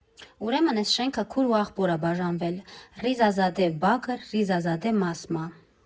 Ուրեմն էս շենքը քուր ու ախպոր ա բաժանվել՝ Ռիզա Զադե Բագր, Ռիզա Զադե Մասմա։